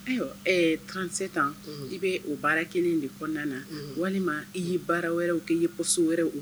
Ayiwa ɛɛ 37 ans unhun, i b'o baara kelen de kɔnɔna na, unhun, walima i ye baara wɛrɛw gagné i ye poste wɛrɛw